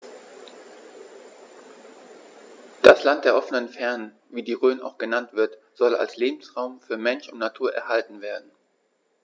Das „Land der offenen Fernen“, wie die Rhön auch genannt wird, soll als Lebensraum für Mensch und Natur erhalten werden.